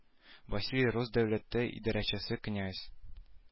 Василий рус дәүләте идарәчесе князь